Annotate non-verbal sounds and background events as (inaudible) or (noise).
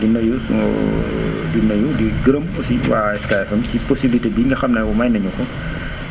di nuyu suñu (hesitation) di nuyu di gërëm aussi waa SK FM si possibilité bii nga xam ne may nañ ma ko (noise)